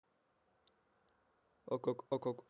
а как а как